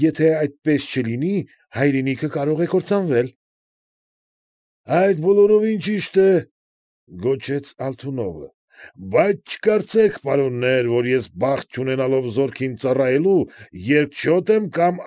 Եթե այդպես չլինի, հայրենիքը կարող է կործանվել։ ֊ Այդ բոլորովին ճիշտ է,֊ գոչեց Ալթունովը,֊ բայց չկարծեք, պարոննե՛ր, որ ես բախտ չունենալով զորքին ծառայելու, երկչոտ եմ կամ։